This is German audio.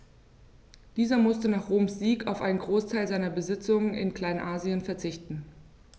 Dieser musste nach Roms Sieg auf einen Großteil seiner Besitzungen in Kleinasien verzichten.